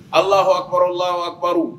Allahou Akbarou Allahou Akbarou